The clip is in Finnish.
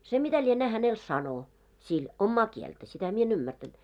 se mitä lienee hänelle sanoi sillä omaa kieltä sitä minä en ymmärtänyt